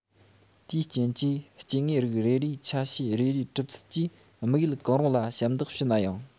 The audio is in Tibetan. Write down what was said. དེའི རྐྱེན གྱིས སྐྱེ དངོས རིགས རེ རེའི ཆ ཤས རེ རེའི གྲུབ ཚུལ གྱིས དམིགས ཡུལ གང རུང ལ ཞབས འདེགས ཞུ ནའང